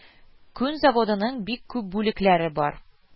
Күн заводының бик күп бүлекләре бар